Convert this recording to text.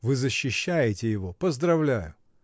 вы защищаете его — поздравляю!